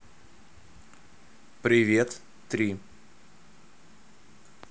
привет три